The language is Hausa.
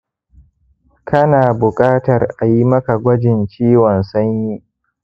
kana bukatar ayi maka gwajin ciwon sanyi.